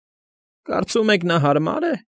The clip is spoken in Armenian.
Կարծում եք նա հարմա՞ր է։